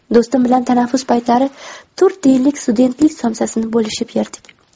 do'stim bilan tanaffus paytlari to'rt tiyinlik studentlik somsasini bo'lishib yerdik